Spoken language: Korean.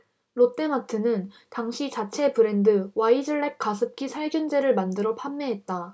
롯데마트는 당시 자체 브랜드 와이즐렉 가습기 살균제를 만들어 판매했다